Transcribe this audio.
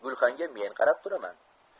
gulxanga men qarab turaman